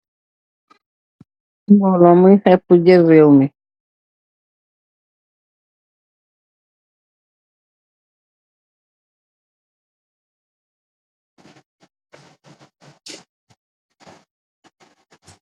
Moolo bui heeh pul jeel reew mi.